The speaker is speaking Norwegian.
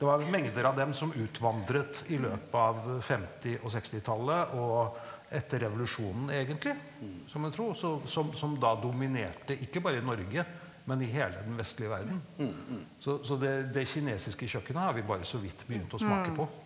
det var mengder av dem som utvandret i løpet av 50 og sekstitallet og etter revolusjonen egentlig som en tro og så som som da dominerte ikke bare i Norge men i hele den vestlige verden, så så det det kinesiske kjøkkenet har vi bare så vidt begynt å smake på.